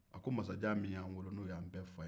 masajan min y'an wolo n'o y'an bɛɛ fa ye